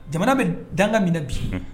Jamana bɛ danga minɛ bi